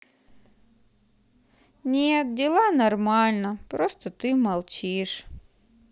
нет дела нормально просто ты молчишь